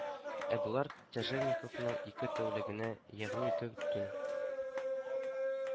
Ә болар Тяжельниковның ике тәүлегенә, ягъни ике төн